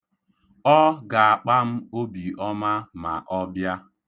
Ọ ga-akpa m obi ọma ma ọ bịa.